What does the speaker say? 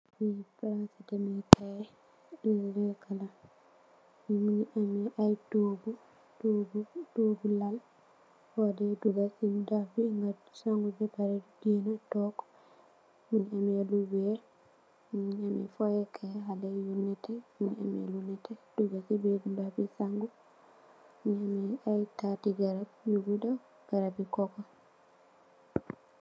Fii plassi dehmeh kaii lehkah la, mungy ameh aiiy tohgu, tohgu, tohgu lal, foh dey duga cii ndoh bii nga sangu beh pareh gehnah tok, mungy ameh lu wekh, mungy ameh fohyeh kaii haleh yu nehteh, mungy ameh lu nehteh duga cii birr ndoh bii sangu, mungy ameh aiiy taati garab yu gudah, garabi coco.